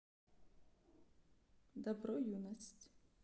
dabro юность